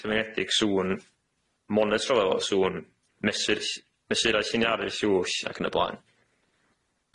cymunedig sŵn monitro fo- sŵn mesur ll- mesurau lliniaru llwll ac yn y blaen.